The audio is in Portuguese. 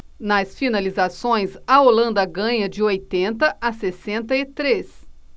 nas finalizações a holanda ganha de oitenta a sessenta e três